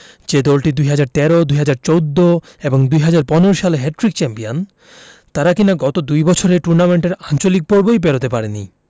যে দলটি ২০১৩ ২০১৪ ও ২০১৫ সালে হ্যাটট্রিক চ্যাম্পিয়ন তারা কিনা গত দুই বছরে টুর্নামেন্টের আঞ্চলিক পর্বই পেরোতে পারেনি